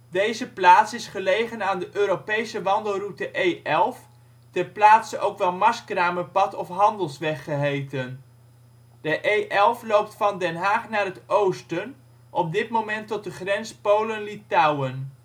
Deze plaats is gelegen aan de Europese wandelroute E11, ter plaatse ook wel Marskramerpad of Handelsweg geheten. De E11 loopt van Den Haag naar het oosten, op dit moment tot de grens Polen/Litouwen